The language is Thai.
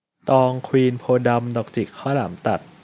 ตองควีนโพธิ์ดำดอกจิกข้าวหลามตัด